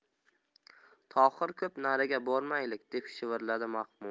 tohir ko'p nariga bormaylik deb shivirladi mahmud